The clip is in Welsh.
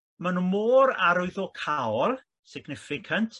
ma' n'w mor arwyddocaol significant